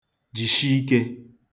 jìshi ikē